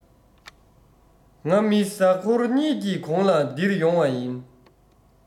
ང མི གཟའ ཁོར གཉིས ཀྱི གོང ལ འདིར ཡོང བ ཡིན